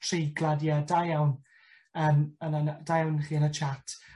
treiglad ie da iawn, yym yn fyna, da iawn i chi yn y chat.